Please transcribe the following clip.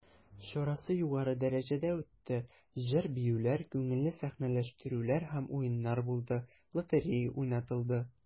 Чарасы югары дәрәҗәдә үтте, җыр-биюләр, күңелле сәхнәләштерүләр һәм уеннар булды, лотерея уйнатылды.